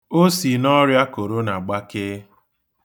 O si n'ọrịa Korona gbakee.